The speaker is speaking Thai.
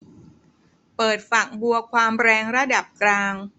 เปิดฝักบัวความแรงระดับกลาง